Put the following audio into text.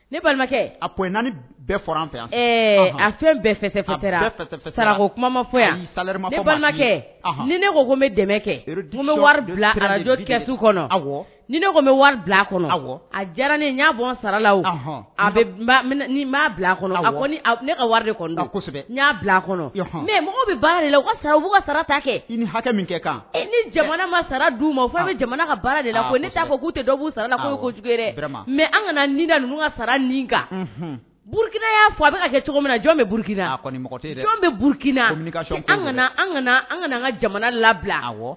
Ne balimakɛ naani bɛɛ fɛ yan a fɛn bɛɛ kuma ma yankɛ ni bɛ dɛmɛ ni a diyaraa bɔ sarala a a ka wari desɛbɛ a mɛ mɔgɔ bɛ sarata kɛ kan ni jamana ma sara d ma fo bɛ jamana ka baara de la ne t' fɔ k' tɛ bu sara la jo mɛ an ka sara kan burukina y'a fɔ a bɛ kɛ cogo min jɔn bɛ burukina a mɔgɔ bɛ burukina an ka an ka jamana labila a